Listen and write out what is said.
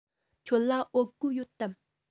ཁྱོད ལ བོད གོས ཡོད དམ